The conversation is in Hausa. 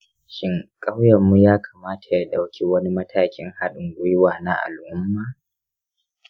shin ƙauyenmu ya kamata ya ɗauki wani matakin haɗin gwiwa na al’umma?